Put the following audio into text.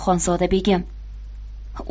xonzoda begim